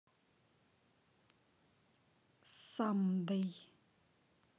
someday